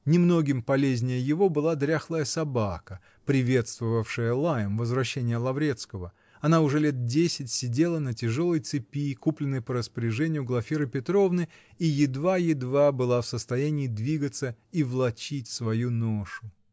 не многим полезнее его была дряхлая собака, приветствовавшая лаем возвращение Лаврецкого: она уже лет десять сидела на тяжелой цепи, купленной по распоряжению Глафиры Петровны, и едва-едва была в состоянии двигаться и влачить свою ношу.